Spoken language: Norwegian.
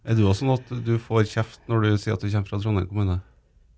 er du òg sånn at du får kjeft når du sier at du kommer fra Trondheim kommune?